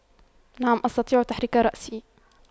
نعم أستطيع تحريك رأسي